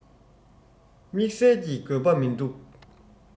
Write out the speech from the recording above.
དམེགས བསལ གྱི དགོས པ མིན འདུག